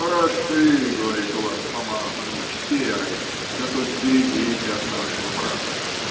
"Хороши, говорит, у вас, Фома Фомич, серые, да только берегите от нашего брата".